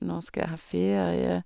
Når skal jeg ha ferie?